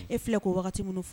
E filɛ ko waati wagati min fɔ